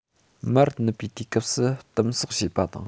མར ནུབ པའི དུས སྐབས སུ དིམ བསགས བྱས པ དང